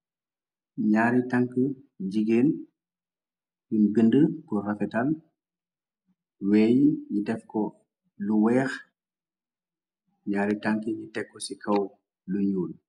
ñaari tank njigeen yun bind ku rafetal weey ñi def ko lu weex ñaari tank ñi teko ci kaw luñuul